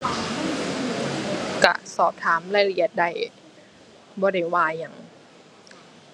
ก็สอบถามรายละเอียดได้ บ่ได้ว่าหยัง